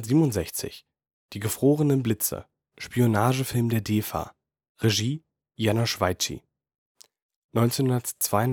Böttcher) 1967: Die gefrorenen Blitze (Spionagefilm der DEFA, Regie: János Veiczi) 1992